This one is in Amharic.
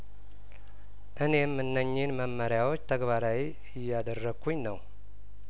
እኔም እነኚህን መመሪያዎች ተግባራዊ እያደረኩኝ ነው